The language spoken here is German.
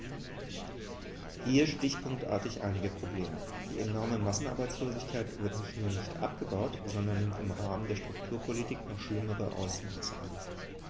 Hier stichpunktartig einige Probleme: Die enorme Massenarbeitslosigkeit wird nicht nur nicht abgebaut, sondern nimmt im Rahmen der Strukturpolitik noch schlimmere Ausmaße an.